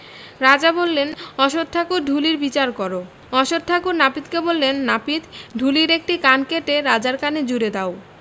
রাজা বললেন অশ্বত্থ ঠাকুর ঢুলির বিচার কর অশ্বত্থ ঠাকুর নাপিতকে বললেননাপিত ঢুলির একটি কান কেটে রাজার কানে জুড়ে দাও